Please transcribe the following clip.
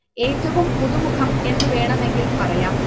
എറ്റവും പുതുമുഖം എന്നു വേണമെങ്കിൽ പറയാം